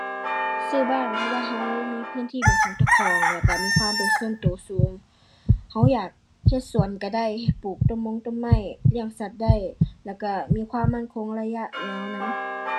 ซื้อบ้านเพราะว่าเรามีพื้นที่เป็นของเจ้าของ แล้วเรามีความเป็นส่วนเราสูง เราอยากเฮ็ดสวนเราได้ ปลูกต้นม้งต้นไม้ เลี้ยงสัตว์ได้ แล้วเรามีความมั่นคงระยะยาวนำ